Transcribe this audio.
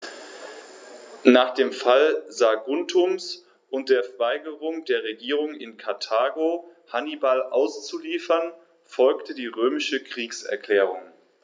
Nach dem Fall Saguntums und der Weigerung der Regierung in Karthago, Hannibal auszuliefern, folgte die römische Kriegserklärung.